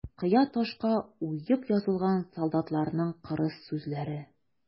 Кыя ташка уеп язылган солдатларның кырыс сүзләре.